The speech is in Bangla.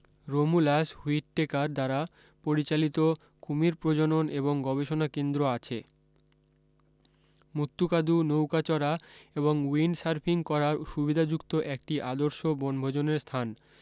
রমুলাস হুইটটেকার দ্বারা পরিচালিত কুমীর প্রজনন এবং গবেষণা কেন্দ্র আছে মুত্তুকাদু নৌকা চড়া এবং উইন্ড সার্ফিং করার সুবিধা্যুক্ত একটি আদর্শ বনভোজনের স্থান